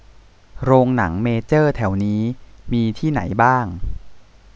โรงหนังเมเจอร์แถวนี้มีที่ไหนบ้าง